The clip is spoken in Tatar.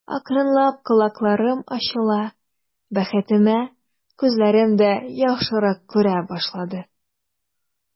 Акрынлап колакларым ачыла, бәхетемә, күзләрем дә яхшырак күрә башлады.